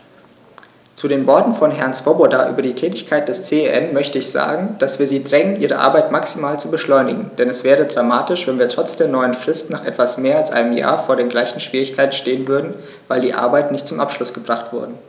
Zu den Worten von Herrn Swoboda über die Tätigkeit des CEN möchte ich sagen, dass wir sie drängen, ihre Arbeit maximal zu beschleunigen, denn es wäre dramatisch, wenn wir trotz der neuen Frist nach etwas mehr als einem Jahr vor den gleichen Schwierigkeiten stehen würden, weil die Arbeiten nicht zum Abschluss gebracht wurden.